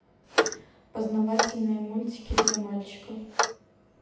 познавательные мультики для мальчиков